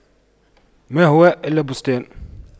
ما هو إلا بستان